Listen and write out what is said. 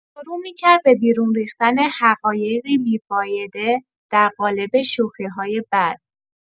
شروع می‌کرد به بیرون ریختن حقایقی بی‌فایده در قالب شوخی‌های بد.